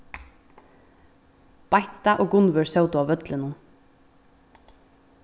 beinta og gunnvør sótu á vøllinum